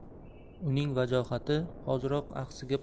uning vajohati hoziroq axsiga